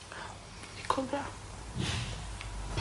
Fi 'di clyfra.